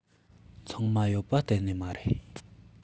ཚང མ ཡོད པ གཏན ནས མ རེད